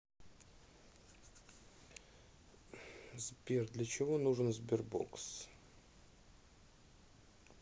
сбер для чего нужен sberbox